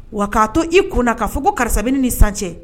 Wa k'a to i ko k'a fɔ ko karisa bɛ ne ni san cɛ